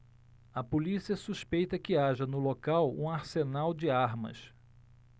a polícia suspeita que haja no local um arsenal de armas